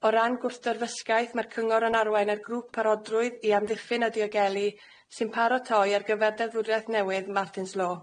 O ran gwrthdwrfysgaeth mae'r Cyngor yn arwain ar grŵp parodrwydd i amddiffyn y diogelu sy'n paratoi ar gyfer deddfwriaeth newydd Martin's Law.